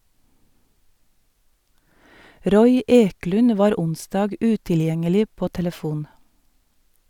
Roy Eklund var onsdag utilgjengelig på telefon.